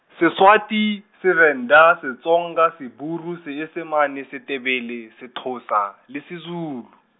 Seswati, Sevenda, Setsonga, Seburu, Seesimane, Setebele, Sethosa, le Sezulu.